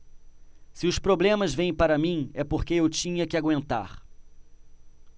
se os problemas vêm para mim é porque eu tinha que aguentar